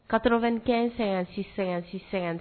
Katokɛ sɛgɛn- sɛgɛn- sɛgɛn